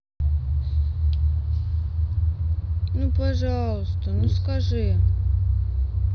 ну пожалуйста ну скажи